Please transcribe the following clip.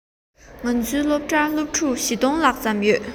ང ཚོའི སློབ གྲྭར སློབ ཕྲུག ༤༠༠༠ ལྷག ཙམ ཡོད རེད